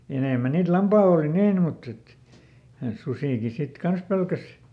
ja enemmän niitä lampaalla oli niin mutta että susikin sitten kanssa pelkäsi